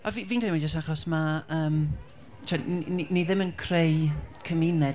A fi- fi'n credu mae jyst achos ma' yym tibod n- ni- ni ddim yn creu cymuned.